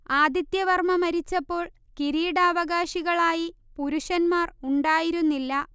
ആദിത്യവർമ്മ മരിച്ചപ്പോൾ കിരീടാവകാശികളായി പുരുഷന്മാർ ഉണ്ടായിരുന്നില്ല